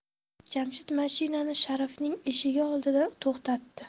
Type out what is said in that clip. jamshid mashinani sharifning eshigi oldida to'xtatdi